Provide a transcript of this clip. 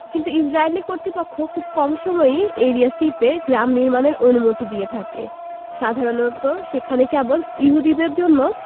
কিন্তু ইসরাইলি কর্তৃপক্ষ খুব কম সময়ই এরিয়া সি তে গ্রাম নির্মাণের অনুমতি দিয়ে থাকে সাধারণত সেখানে কেবল ইহুদিদের জন্য